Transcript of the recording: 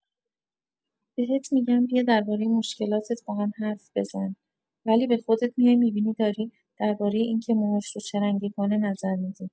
بهت می‌گن بیا دربارۀ مشکلاتت باهام حرف بزن، ولی به خودت میای می‌بینی داری دربارۀ اینکه موهاش رو چه رنگی کنه نظر می‌دی.